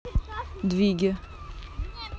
двиги